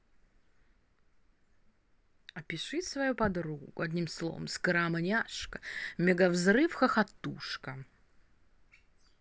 опиши свою подругу одним словом скрамняшка мегавзрыв хохотушка